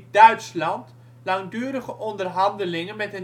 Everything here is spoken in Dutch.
Duitsland langdurige onderhandelingen met